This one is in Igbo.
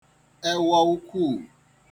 ewọ ukwuù